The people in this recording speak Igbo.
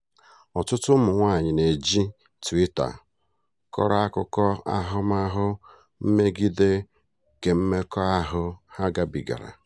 Ọtutụ ụmụ nwaanyị na-eji Twitter kọrọ akụkụ ahụmahụ mmegide kemmekọahu ha gabigara: